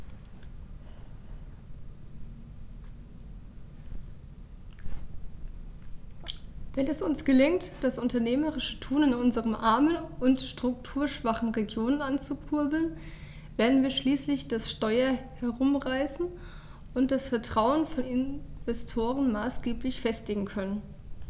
Wenn es uns gelingt, das unternehmerische Tun in unseren armen und strukturschwachen Regionen anzukurbeln, werden wir schließlich das Steuer herumreißen und das Vertrauen von Investoren maßgeblich festigen können.